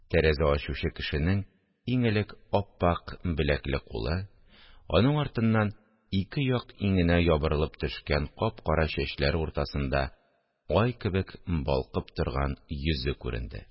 Тәрәзә ачучы кешенең иң элек ап-ак беләкле кулы, аның артыннан ике як иңенә ябырылып төшкән кап-кара чәчләре уртасында ай кебек балкып торган йөзе күренде